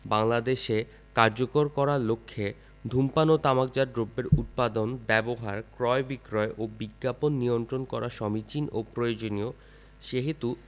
বিধানাবলী বাংলাদেশে কার্যকর করার লক্ষ্যে ধূমপান ও তামাকজাত দ্রব্যের উৎপাদন ব্যবহার ক্রয় বিক্রয় ও বিজ্ঞাপন নিয়ন্ত্রণ করা সমীচীন ও প্রয়োজনীয় সেহেতু